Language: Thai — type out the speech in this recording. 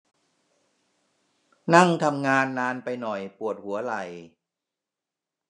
นั่งทำงานนานไปหน่อยปวดหัวไหล่